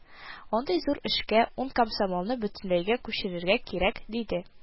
Андый зур эшкә ун комсомолны бөтенләйгә күчерергә кирәк, диде